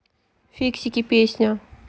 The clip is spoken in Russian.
фиксики песня